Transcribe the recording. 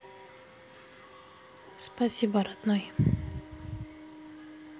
спасибо родной